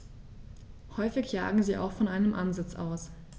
Häufig jagen sie auch von einem Ansitz aus.